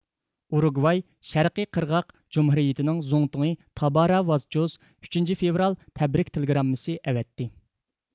ئۇرۇگۋاي شەرقىي قىرغاق جۇمھۇرىيىتىنىڭ زۇڭتۇڭى تابارا ۋازچۇز ئۈچىنچى فېۋرال تەبرىك تېلېگراممىسى ئەۋەتتى